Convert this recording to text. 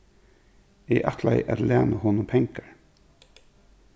eg ætlaði at læna honum pengar s